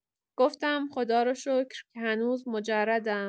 گفتم خداروشکر که هنوز مجردم.